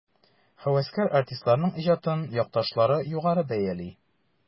Һәвәскәр артистларның иҗатын якташлары югары бәяли.